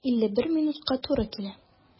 51 минутка туры килә.